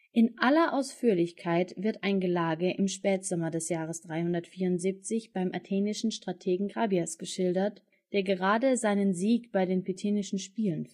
In aller Ausführlichkeit wird ein Gelage im Spätsommer des Jahres 374 beim athenischen Strategen Chabrias geschildert, der gerade seinen Sieg bei den Pythischen Spielen